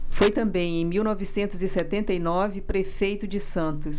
foi também em mil novecentos e setenta e nove prefeito de santos